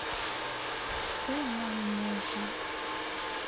ты нам нужен